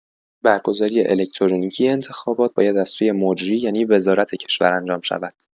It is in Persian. برگزاری الکترونیکی انتخابات باید از سوی مجری یعنی وزارت کشور انجام شود.